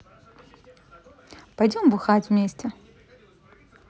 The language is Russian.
пойдем бухать вместе